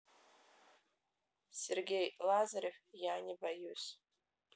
сергей лазарев я не боюсь